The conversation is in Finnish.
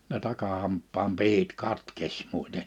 ne takahampaan pihdit katkesi muuten